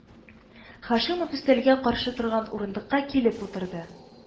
Һашимов өстәлгә каршы торган урындыкка килеп утырды